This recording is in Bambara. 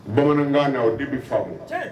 Bamanankan na o di bɛ faamu; Tiɲɛ.